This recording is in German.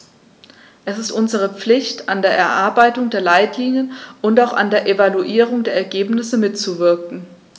Es ist unsere Pflicht, an der Erarbeitung der Leitlinien und auch an der Evaluierung der Ergebnisse mitzuwirken.